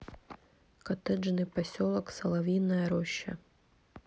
коттеджный поселок соловьиная роща